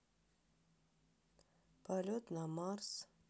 полет на марс